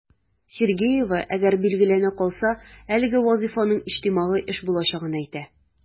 Сергеева, әгәр билгеләнә калса, әлеге вазыйфаның иҗтимагый эш булачагын әйтә.